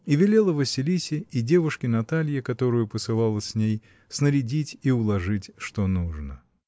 И велела Василисе и девушке Наталье, которую посылала с ней, снарядить и уложить что нужно.